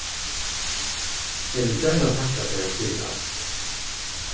eg vil gjarna takka tær fyri alt